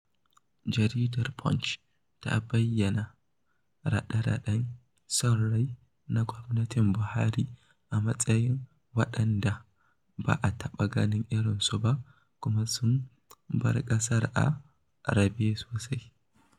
Jaridar Punch ta bayyana "naɗe-naɗen son rai" na gwamnatin Buhari a matsayin waɗanda "ba a taɓa ganin irinsu ba" kuma sun bar ƙasar a rabe sosai.